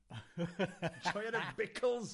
Joio dy bicls?